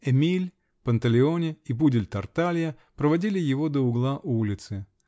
Эмиль, Панталеоне и пудель Тарталья проводили его до угла улицы.